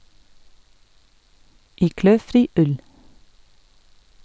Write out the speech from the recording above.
I kløfri ull.